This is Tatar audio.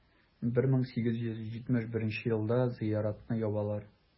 1871 елда зыяратны ябалар.